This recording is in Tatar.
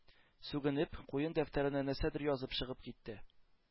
Сүгенеп, куен дәфтәренә нәрсәдер язып чыгып китте.